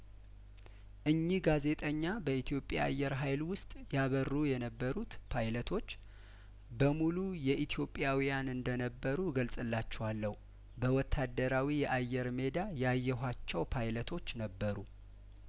እኚህ ጋዜጠኛ በኢትዮጵያ አየር ሀይል ውስጥ ያበሩ የነበሩት ፓይለቶች በሙሉ የኢትዮጵያዊያን እንደነበሩ እገልጽላችኋለሁ በወታደራዊ የአየር ሜዳ ያየኋቸው ፓይለቶች ነበሩ